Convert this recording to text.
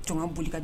Tɔn boli ka